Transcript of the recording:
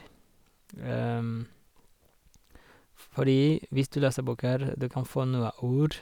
f Fordi hvis du leser bøker, du kan få noe ord.